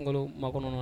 Ma kɔnɔ